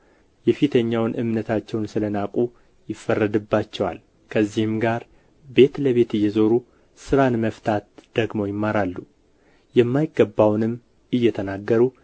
የፊተኛውንም እምነታቸውን ስለ ናቁ ይፈረድባቸዋል ከዚህም ጋር ቤት ለቤት እየዞሩ ሥራን መፍታት ደግሞ ይማራሉ የማይገባውንም እየተናገሩ